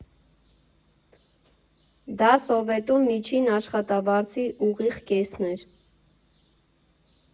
Դա Սովետում միջին աշխատավարձի ուղիղ կեսն էր։